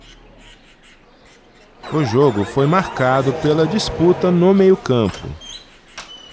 o jogo foi marcado pela disputa no meio campo